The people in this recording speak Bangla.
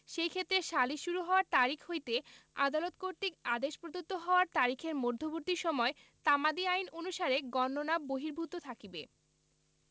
সেইক্ষেত্রে সালিস শুরু হওয়ার তারিখ হইতে আদালত কর্তৃক আদেশ প্রদত্ত হওয়ার তারিখের মধ্যবর্তী সময় তামাদি আইন অনুসারে গণনা বহির্ভুত থাকিবে